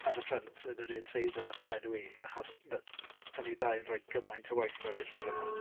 Ar y ffrynt yn yr un seis a fy enw i, achos ma'... dan ni dau yn rhoi gymaint o waith i mewn i'r llyfrau 'ma.